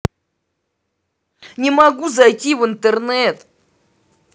не могу зайти в интернет